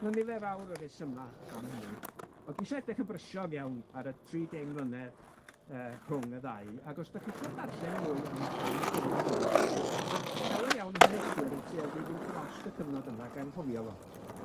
Ma' nifer fawr o resyma' am hynny, on' dwi isio edrych yn brysiog iawn ar y tri deng mlynedd yy rhwng y ddau, ag os 'dach chi isio darllen mwy am am y cyfnod yna, ma' llawer iawn o haneswyr yn tueddu i fynd drost y cyfnod yna ac anghofio fo.